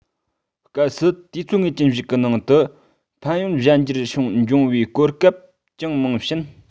གལ སྲིད དུས ཚོད ངེས ཅན ཞིག གི ནང དུ ཕན ཡོད གཞན འགྱུར འབྱུང བའི གོ སྐབས ཅུང མང ཕྱིན